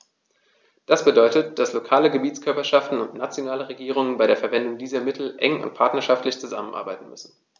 Das bedeutet, dass lokale Gebietskörperschaften und nationale Regierungen bei der Verwendung dieser Mittel eng und partnerschaftlich zusammenarbeiten müssen.